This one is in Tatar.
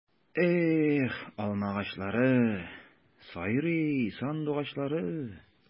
Эх, алмагачлары, сайрый сандугачлары!